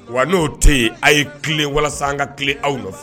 Wa n'o tɛ yen a ye ki walasa an ka tile aw